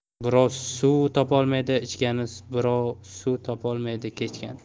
birov suv topolmaydi ichgani birov suv topolmaydi kechgani